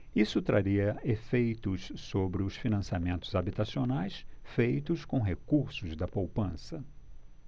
isso traria efeitos sobre os financiamentos habitacionais feitos com recursos da poupança